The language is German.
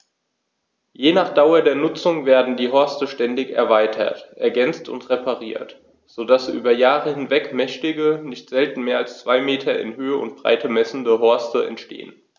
Je nach Dauer der Nutzung werden die Horste ständig erweitert, ergänzt und repariert, so dass über Jahre hinweg mächtige, nicht selten mehr als zwei Meter in Höhe und Breite messende Horste entstehen.